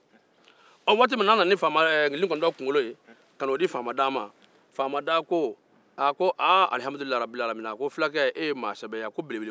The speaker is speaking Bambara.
waati min na a nana nkilinti kolonto kunkolo di faama daa ma a ko alhamdulilayi fulake e ye maa sɛbɛ ye